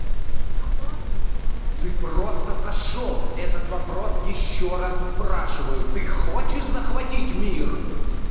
ты просто зашел этот вопрос еще раз спрашиваю ты хочешь захватить мир